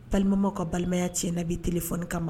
Balimamaw ka balimaya cɛna bi téléphone kama ma.